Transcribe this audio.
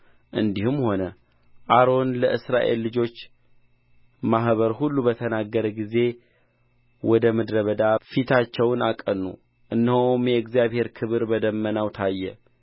እንዲህም ሆነ አሮን ለእስራኤል ልጆች ማኅበር ሁሉ በተናገረ ጊዜ ወደ ምድረ በዳ ፊታቸውን አቀኑ እነሆም የእግዚአብሔር ክብር በደመናው ታየ